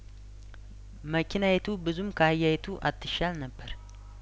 መኪናዪቱ ብዙም ካህ ያዪቱ አት ሻል ነበር